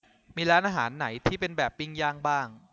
มีร้านอาหารไหนที่เป็นแบบปิ้งย่างบ้าง